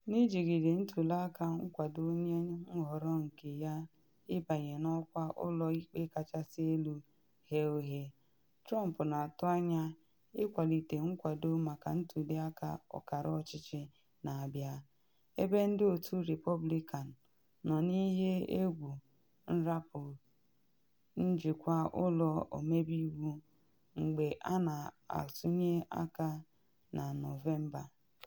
N’ijigide ntuli aka nkwado onye nhọrọ nke ya ịbanye n’ọkwa Ụlọ Ikpe Kachasị Elu ghe oghe, Trump na-atụ anya ịkwalite nkwado maka ntuli aka ọkara ọchịchị na-abịa, ebe ndị otu Repọblikan nọ n’ihe egwu nnarapụ njikwa Ụlọ Ọmebe iwu mgbe a ga-atụnye aka na Nov.